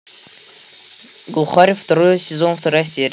глухарь второй сезон вторая серия